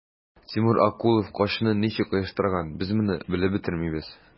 Тимур Акулов качуны ничек оештырган, без моны белеп бетермибез.